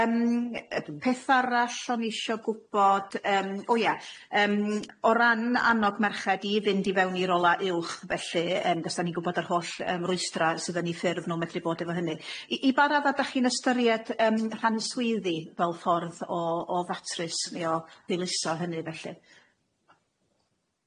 Yym yy peth arall o'n i isio gwbod yym o ia yym o ran annog merched i fynd i fewn i'r ola uwch felly yym os da ni'n gwbod yr holl yym rwystra sydd yn ei ffurf nw medru bod efo hynny i ba radda dach chi'n ystyried yym rhan swyddi fel ffordd o o ddatrys ni o ddilyso hynny felly.